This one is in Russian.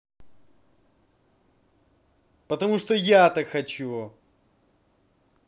потому что я так хочу